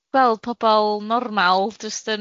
A mai'n neis jes gweld pobl normal jyst yn